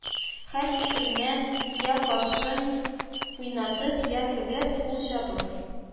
Һәр фикеренә йә кашын уйнатып, йә көлеп, кул чабып,